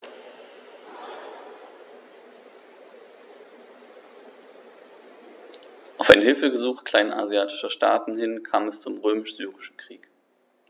Auf ein Hilfegesuch kleinasiatischer Staaten hin kam es zum Römisch-Syrischen Krieg.